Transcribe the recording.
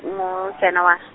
ngo- January.